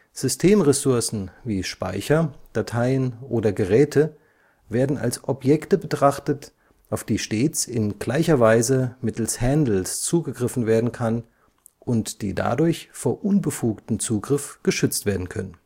Systemressourcen wie Speicher, Dateien oder Geräte werden als Objekte betrachtet, auf die stets in gleicher Weise mittels Handles zugegriffen werden kann und die dadurch vor unbefugtem Zugriff geschützt werden können